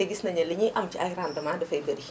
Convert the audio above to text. te gis nañu ne li ñuy am si ay rendements dafay bari